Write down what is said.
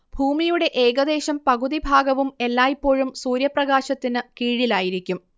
ഭൂമിയുടേ ഏകദേശം പകുതി ഭാഗവും എല്ലായ്പ്പോഴും സൂര്യപ്രകാശത്തിന്ന് കീഴിലായിരിക്കും